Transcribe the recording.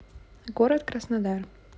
город краснодар